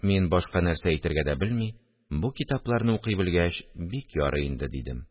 Мин, башка нәрсә әйтергә дә белми: – Бу китапларны укый белгәч, бик ярый инде, – дидем